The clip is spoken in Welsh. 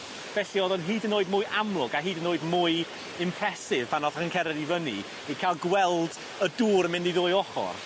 felly odd o'n hyd yn oed mwy amlwg a hyd yn oed mwy impressive pan othwn nw'n cered i fyny i ca'l gweld y dŵr yn mynd i ddwy ochor.